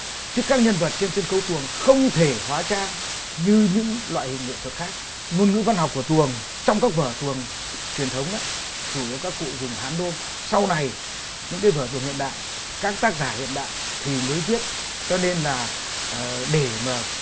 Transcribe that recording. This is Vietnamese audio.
trước các nhân vật trên sân khấu tuồng không thể hóa trang như những loại hình nghệ thuật khác ngôn ngữ văn học của tuồng trong các vở tuồng truyền thống nữa chủ yếu các cụ dùng hán nôm sau này những vở tuồng hiện đại các tác giả hiện đại thì mới viết cho nên là để mà